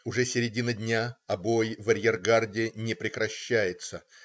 Уже середина дня, а бой в арьергарде не прекращается.